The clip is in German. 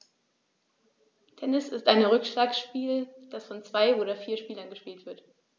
Tennis ist ein Rückschlagspiel, das von zwei oder vier Spielern gespielt wird.